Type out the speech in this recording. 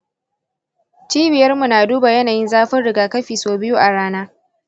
cibiyarmu na duba yanayin zafin rigakafi sau biyu a rana.